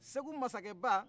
segu masakɛba